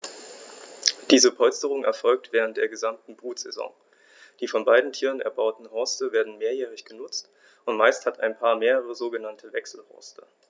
Diese Polsterung erfolgt während der gesamten Brutsaison. Die von beiden Tieren erbauten Horste werden mehrjährig benutzt, und meist hat ein Paar mehrere sogenannte Wechselhorste.